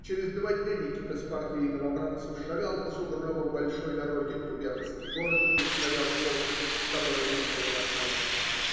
Через два дня Никита с партией новобранцев шагал по сугробам большой дороги в губернский город, где стоял полк, в который он был назначен.